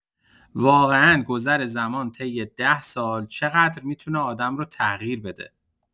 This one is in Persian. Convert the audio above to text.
واقعا گذر زمان طی ده سال چقدر می‌تونه آدم رو تغییر بده!